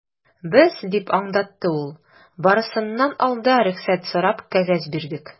Без, - дип аңлатты ул, - барысыннан алда рөхсәт сорап кәгазь бирдек.